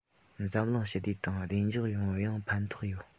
འཛམ གླིང ཞི བདེ དང བདེ འཇགས ཡོང བར ཡང ཕན ཐོགས ཡོད